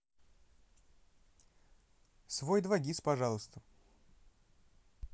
свой 2gis пожалуйста